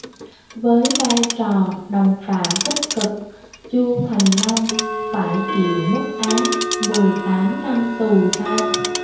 với vai trò đồng phạm tích cực chu thành long phải chịu mức án mười tám năm tù giam